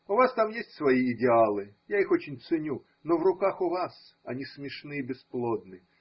У вас там есть свои идеалы: я их очень ценю, но в руках у вас они смешны и бесплодны